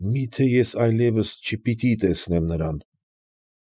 Մի՞թե ես այլևս չպիտի տեսնեմ նրան։